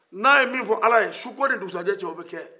ni a ye mi fɔ ala ye suko ani dugusɛdiyɛ o bɛ kɛ